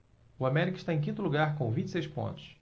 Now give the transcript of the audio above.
o américa está em quinto lugar com vinte e seis pontos